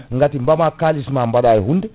gati ɓama kalisma baɗa e hunde